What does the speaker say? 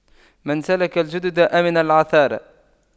من سلك الجدد أمن العثار